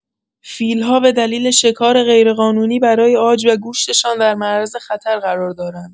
فیل‌ها به دلیل شکار غیرقانونی برای عاج و گوشتشان در معرض خطر قرار دارند.